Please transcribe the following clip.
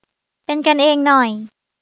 เป็นกันเองหน่อย